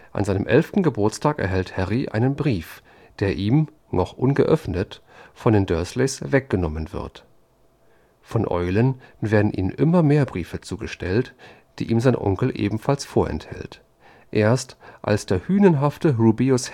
An seinem elften Geburtstag erhält Harry einen Brief, der ihm – noch ungeöffnet – von den Dursleys weggenommen wird. Von Eulen werden ihm immer mehr Briefe zugestellt, die ihm sein Onkel ebenfalls vorenthält. Erst als der hünenhafte Rubeus